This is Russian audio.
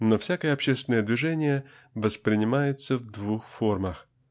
Но всякое общественное движение воспринимается в двух формах